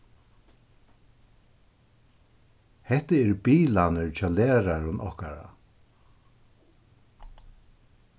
hetta eru bilarnir hjá lærarum okkara